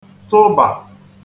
-tụbà